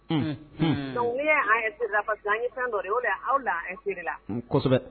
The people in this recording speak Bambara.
Dɔnku n ye an ye an ye san dɔ o de aw lase la